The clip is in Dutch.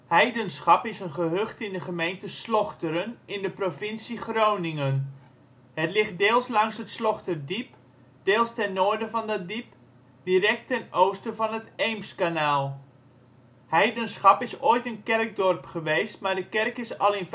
Heidenschap is een gehucht in de gemeente Slochteren in de provincie Groningen. Het ligt deels langs het Slochterdiep, deels ten noorden van dat diep, direct ten oosten van het Eemskanaal. Heidenschap is ooit een kerkdorp geweest, maar de kerk is al in